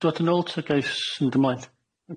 dŵad yn ôl ta ga'i symud ymlaen?